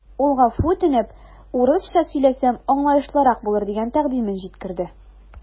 Ул гафу үтенеп, урысча сөйләсәм, аңлаешлырак булыр дигән тәкъдимен җиткерде.